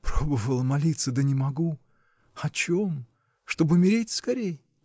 — Пробовала молиться, да не могу. О чем? чтоб умереть скорей?